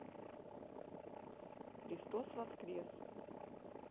христос воскрес